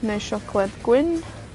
Neu siocled gwyn?